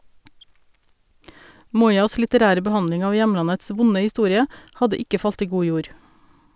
Moyas litterære behandling av hjemlandets vonde historie hadde ikke falt i god jord.